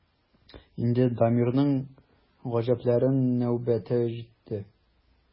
Инде Дамирның гаҗәпләнер нәүбәте җитте.